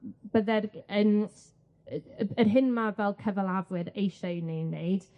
M- bydde'r yn y- y- yr hyn ma' fel cyfalafwyr eisiau i ni ei wneud